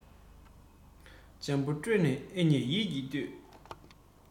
འཇམ པོ བསྒྲོན ནས ཨེ མཉེས ཡིད ཀྱིས ལྷོས